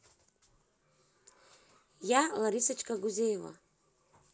я ларисочка гузеева